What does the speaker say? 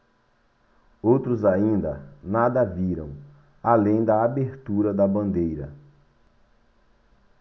outros ainda nada viram além da abertura da bandeira